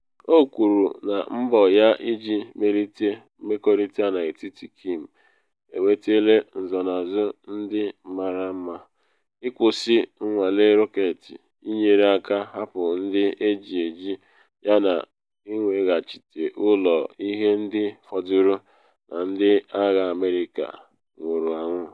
O kwuru na mbọ ya iji melite mmerịkọta n’etiti Kim ewetele nsonaazụ ndị mara mma - ịkwụsị nnwale rọketị, ịnyere aka hapụ ndị eji eji yana iweghachite ụlọ ihe ndị fọdụrụ na ndị agha America nwụrụ anwụ.